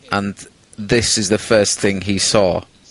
and this is the first thing he saw.